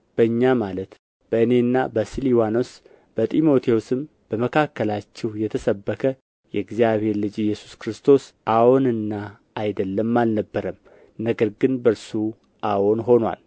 በእኛ ማለት በእኔና በስልዋኖስ በጢሞቴዎስም በመካከላችሁ የተሰበከ የእግዚአብሔር ልጅ ኢየሱስ ክርስቶስ አዎንና አይደለም አልነበረም ነገር ግን በእርሱ አዎን ሆኖአል